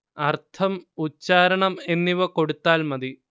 അർത്ഥം ഉച്ചാരണം എന്നിവ കൊടുത്താൽ മതി